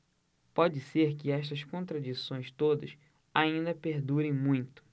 pode ser que estas contradições todas ainda perdurem muito